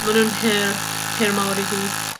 ma' nw'n her, her mawr i fi.